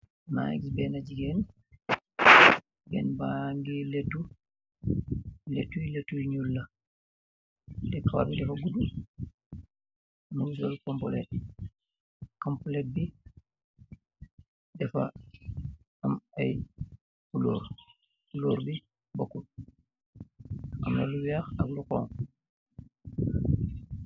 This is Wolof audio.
Mangeh kess benna jigeen , jigeen mba geeh letuh , lehtuh yeh letuh yu null laah , kowarbi dafa kuduh , mugeh sool compolet , compolet bi dafa emm ayy culoor , culoor bi bokut amna luweeh amm lu honha.